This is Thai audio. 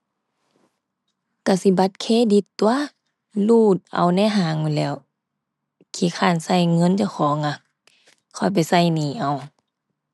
ก็สิบัตรเครดิตตั่ว รูดเอาในห้างโลดแหล้ว ขี้คร้านก็เงินเจ้าของอะ ค่อยไปก็หนี้เอา